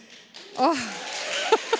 åh .